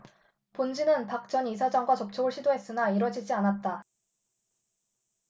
본지는 박 전 이사장과 접촉을 시도했으나 이뤄지지 않았다